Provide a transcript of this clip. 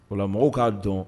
Ola mɔgɔw k'a dɔn